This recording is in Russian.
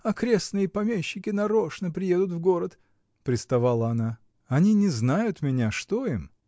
Окрестные помещики нарочно приедут в город. — приставала она. — Они не знают меня, что им?.